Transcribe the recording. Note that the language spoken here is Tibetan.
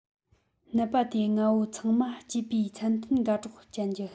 ནད པ དེ ལྔ བོ ཚང མ སྐྱེས པའི མཚན མཐུན དགའ གྲོགས ཅན གྱི